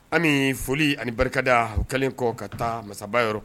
Ani foli ani barika kɛlen kɔ ka taa masaba yɔrɔ